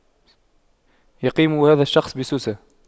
يقيم هذا الشخص بسوسة